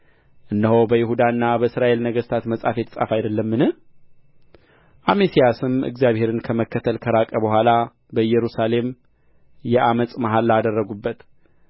እነሆ በይሁዳና በእስራኤል ነገሥታት መጽሐፍ የተጻፈ አይደለምን አሜስያስም እግዚአብሔርን ከመከተል ከራቀ በኋላ በኢየሩሳሌም የዓመፅ መሐላ አደረጉበት